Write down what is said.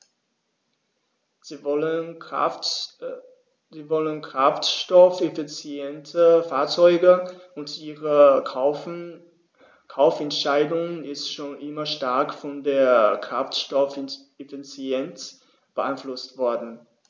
Sie wollen kraftstoffeffiziente Fahrzeuge, und ihre Kaufentscheidung ist schon immer stark von der Kraftstoffeffizienz beeinflusst worden.